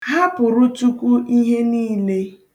Hapụrụ Chukwu ihe niile.